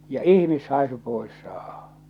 ja ihmishaisu pois saada